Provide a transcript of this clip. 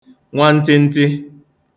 nwantịntị